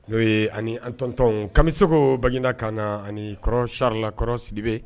N'o ye ani tonton Kamisoko Banginda camps na ani kɔrɔ Siarl, Kɔrɔ Sidibe.